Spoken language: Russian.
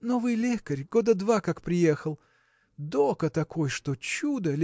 – Новый лекарь; года два как приехал. Дока такой, что чудо!